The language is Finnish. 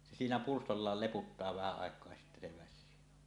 se siinä pyrstöllään leputtaa vähän aikaa ja sitten se väsyy